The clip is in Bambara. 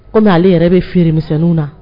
Kɔmi ale yɛrɛ bɛ feeremisɛnninw na